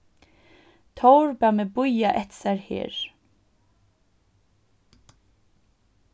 tór bað meg bíða eftir sær her